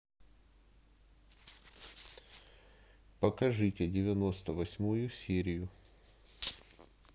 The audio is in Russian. покажите девяносто восьмую серию